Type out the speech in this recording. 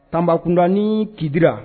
Tanbakundaani kibadira